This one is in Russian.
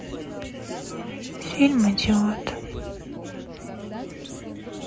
фильм идиот